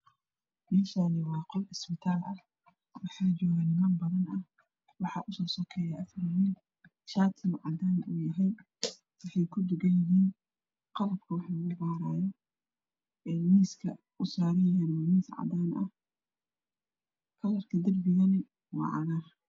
Meshaani waa qol isbitaal ah waxaa joogo niman badn waxaa usoo sakeeyo 4 wiil oo shaatigana cadaan uu yahy miiska uù saran yahyna wa miis cadaana h